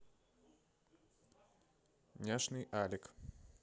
няшный алик